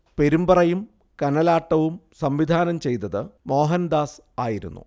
പെരുമ്പറയും കനലാട്ടവും സംവിധാനം ചെയ്തത് മോഹൻ ദാസ് ആയിരുന്നു